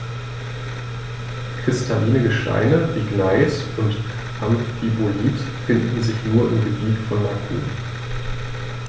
Kristalline Gesteine wie Gneis oder Amphibolit finden sich nur im Gebiet von Macun.